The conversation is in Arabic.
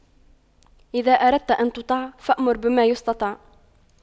إذا أردت أن تطاع فأمر بما يستطاع